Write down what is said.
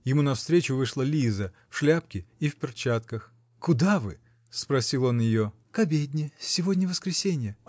Ему навстречу вышла Лиза в шляпке и в перчатках. -- Куда вы? -- спросил он ее. -- К обедне. Сегодня воскресенье.